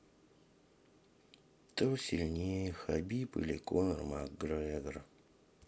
кто сильнее хабиб или конор макгрегор